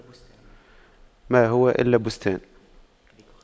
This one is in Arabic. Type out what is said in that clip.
ما هو إلا بستان